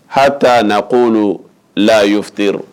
Hata nakoulou laa youftir